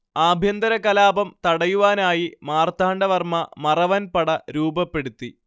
ആഭ്യന്തര കലാപം തടയുവാനായി മാർത്താണ്ഡ വർമ മറവൻ പട രൂപപ്പെടുത്തി